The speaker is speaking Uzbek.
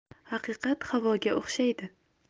haqiqat havoga o'xshaydi